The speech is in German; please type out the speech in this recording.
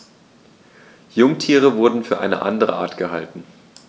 Jungtiere wurden für eine andere Art gehalten.